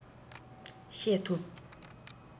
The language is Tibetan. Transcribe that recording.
བཤད ཐུབ